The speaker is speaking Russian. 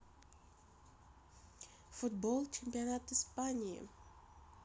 футбол чемпионат испании